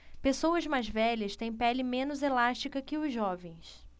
pessoas mais velhas têm pele menos elástica que os jovens